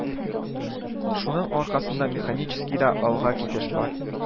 Шуның аркасында механическийда алга китеш бар